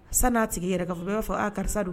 San n'a tigi yɛrɛɛrɛ k'a o b'a fɔ a karisa dun